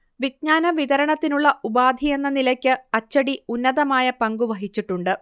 വിജ്ഞാന വിതരണത്തിനുള്ള ഉപാധിയെന്ന നിലയ്ക്ക് അച്ചടി ഉന്നതമായ പങ്കുവഹിച്ചിട്ടുണ്ട്